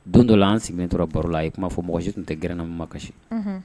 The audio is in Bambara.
Don dɔ la an sigilen tora baro la a i tun kuma'a fɔ mɔgɔsi tun tɛ gɛrɛrɛnna ma kasisi